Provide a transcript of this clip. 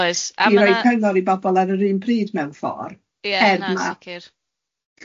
Oes a ma' na... I roi cyngor i bobol ar yr un pryd mewn ffor... Ia na sicir...